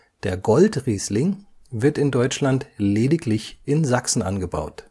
Der Goldriesling wird in Deutschland lediglich in Sachsen angebaut